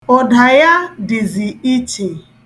Ụda ya dịzi iche.